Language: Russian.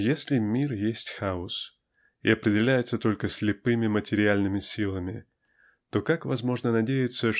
Если мир есть хаос и определяется только слепыми материальными силами то как возможно надеяться